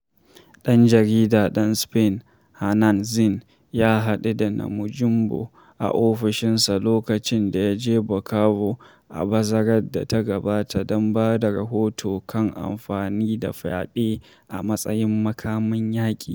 Ɗan jarida ɗan Spain, Hernán Zin, ya haɗu da Namujimbo a ofishinsa lokacin da ya je Bukavu a bazarar da ta gabata don ba da rahoto kan amfani da fyaɗe a matsayin makamin yaƙi.